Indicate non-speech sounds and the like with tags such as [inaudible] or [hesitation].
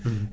[hesitation] [hesitation]